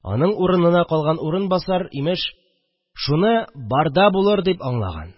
Аңың урынына калган урынбасар, имеш, шуны «барда булыр» дип аңлаган